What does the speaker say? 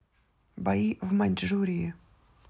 бои в маньчжурии